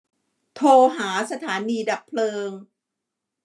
โทรหาสถานีดับเพลิง